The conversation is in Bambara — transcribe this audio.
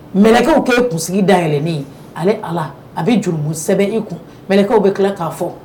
Mɛlɛkaw k'e kunsigi dayɛlɛnen ye ale alleh bɛ jurumu sɛbɛn i kun, mɛlɛkɛw bɛ tila k'a fɔ